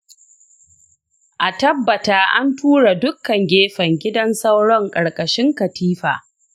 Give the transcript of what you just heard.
a tabbata an tura dukkan gefen gidan sauron ƙarƙashin katifa.